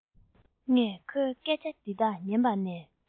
ངས ཁོའི སྐད ཆ འདི དག ཉན པ ནས